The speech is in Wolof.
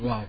waaw